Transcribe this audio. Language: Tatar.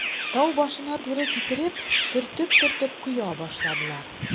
Тау башына туры китереп, төртеп-төртеп коя башладылар.